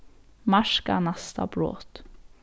marka næsta brot